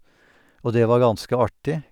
Og det var ganske artig.